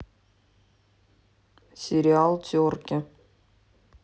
сериал терки